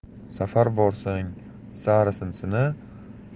safar borsang sarisin sina